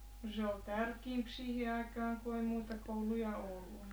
no se oli tärkeämpi siihen aikaan kun ei muita kouluja ollut niin